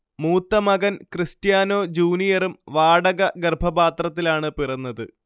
മൂത്ത മകൻ ക്രിസ്റ്റ്യാനൊ ജൂനിയറും വാടക ഗർഭപാത്രത്തിലാണ് പിറന്നത്